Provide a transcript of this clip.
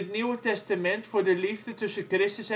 Nieuwe Testament voor de liefde tussen Christus